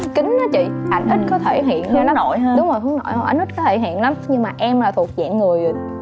kín á chị ảnh ít có thể hiện gì ra hướng nội hơn đúng rồi hướng nội hơn anh ít thể hiện lắm nhưng mà em là thuộc dạng người